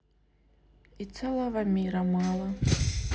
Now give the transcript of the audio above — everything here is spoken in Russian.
и целого мира мало